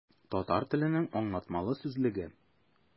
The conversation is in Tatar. Татар теленең аңлатмалы сүзлеге.